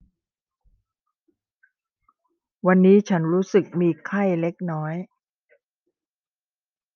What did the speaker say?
วันนี้ฉันรู้สึกมีไข้เล็กน้อย